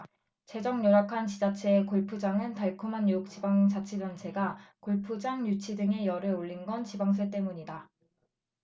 재정 열악한 지자체에 골프장은 달콤한 유혹지방자치단체가 골프장 유치 등에 열을 올린 건 지방세 때문이다